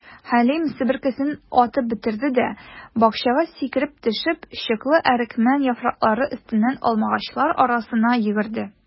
Хәлим, себеркесен атып бәрде дә, бакчага сикереп төшеп, чыклы әрекмән яфраклары өстеннән алмагачлар арасына йөгерде.